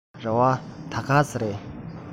རེ བ ད ག ཟེ རེད